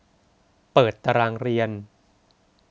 เปิดตารางเรียน